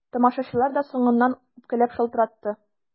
Тамашачылар да соңыннан үпкәләп шалтыратты.